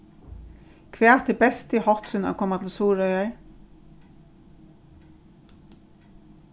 hvat er besti hátturin at koma til suðuroyar